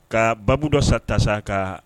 Ka baabu dɔ sa tasa ka